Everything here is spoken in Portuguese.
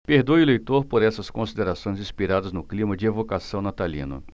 perdoe o leitor por essas considerações inspiradas no clima de evocação natalino